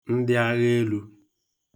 ndịagha elū